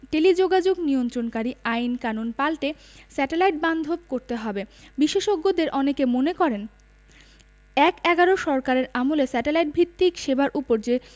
টেলিযোগাযোগ নিয়ন্ত্রণকারী আইনকানুন পাল্টে স্যাটেলাইট বান্ধব করতে হবে বিশেষজ্ঞদের অনেকে মনে করেন এক–এগারোর সরকারের আমলে স্যাটেলাইট ভিত্তিক সেবার ওপর যে